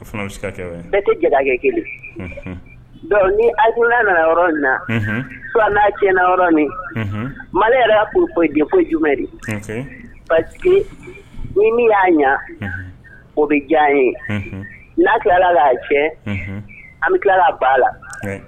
Tɛ ni adu nana yɔrɔ in na fa n'a ti yɔrɔɔrɔn mali yɛrɛ y'a fɔ ko jumɛnri pa ni min y'a ɲɛ o bɛ diya an ye n'a tilala'a cɛ an bɛ tilala ba la